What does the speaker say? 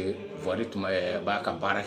Wa tun' ka baara